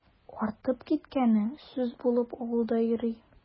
Артып киткәне сүз булып авылда йөри.